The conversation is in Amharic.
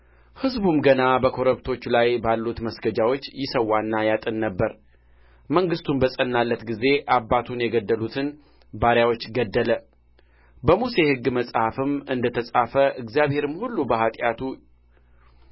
ሕዝቡም ገና በኮረብቶች ላይ ባሉት መስገጃዎች ይሠዋና ያጥን ነበር መንግሥቱም በጸናለት ጊዜ አባቱን የገደሉትን ባሪያዎች ገደለ በሙሴ ሕግ መጽሐፍም እንደ ተጻፈ እግዚአብሔርም ሁሉ በኃጢአቱ